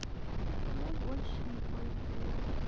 я больше не пойду